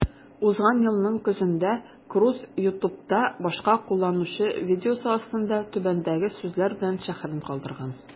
Узган елның көзендә Круз YouTube'та башка кулланучы видеосы астында түбәндәге сүзләр белән шәрехен калдырган: